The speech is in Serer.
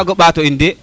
xa wago mbata in de